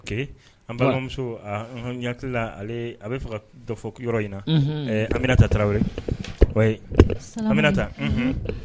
Ok an balima muso n hakila ale a bi fɛ ka dɔ fɔ yɔrɔ in na. Ɛɛ Aminata Tarawele wai Aminata ? Salamuhalekum